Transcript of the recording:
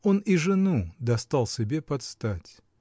Он и жену достал себе под стать.